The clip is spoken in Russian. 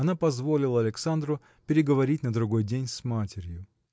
она позволила Александру переговорить на другой день с матерью.